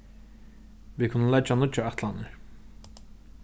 vit kunnu leggja nýggjar ætlanir